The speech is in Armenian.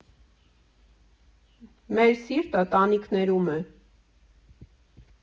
Մեր սիրտը տանիքներում է։